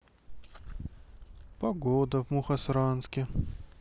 погода в мухосранске